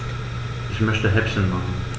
Ich möchte Häppchen machen.